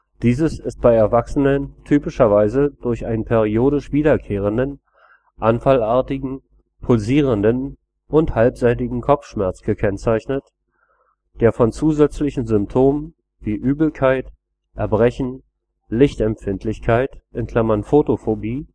Dieses ist bei Erwachsenen typischerweise durch einen periodisch wiederkehrenden, anfallartigen, pulsierenden und halbseitigen Kopfschmerz gekennzeichnet, der von zusätzlichen Symptomen wie Übelkeit, Erbrechen, Lichtempfindlichkeit (Photophobie